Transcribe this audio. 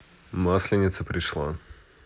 масленица пришла